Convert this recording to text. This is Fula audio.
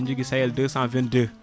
eɗen joogui Sayel222